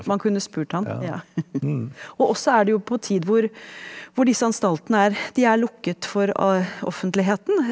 man kunne spurt han ja og også er det jo på en tid hvor hvor disse anstaltene er de er lukket for offentligheten.